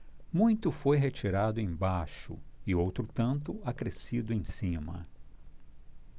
muito foi retirado embaixo e outro tanto acrescido em cima